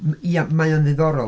Ia mae o'n ddiddorol.